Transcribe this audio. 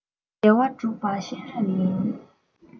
བདེ བ བསྒྲུབ པ ཤེས རབ ཡིན